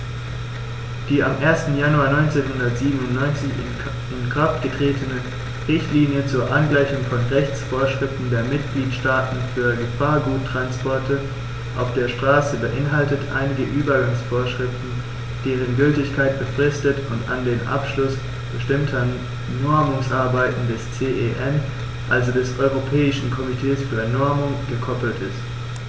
Die am 1. Januar 1997 in Kraft getretene Richtlinie zur Angleichung von Rechtsvorschriften der Mitgliedstaaten für Gefahrguttransporte auf der Straße beinhaltet einige Übergangsvorschriften, deren Gültigkeit befristet und an den Abschluss bestimmter Normungsarbeiten des CEN, also des Europäischen Komitees für Normung, gekoppelt ist.